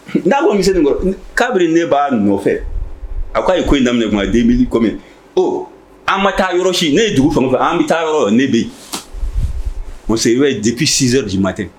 N'a ko minikɔrɔ kabiri ne b'a nɔfɛ a ko'a ye ko in daminɛ ye den mi ko mɛn an ma taa yɔrɔ si ne ye dugu fɛ an bɛ taa yɔrɔ ne bɛ muso i bɛ jipsizsaji ma tɛ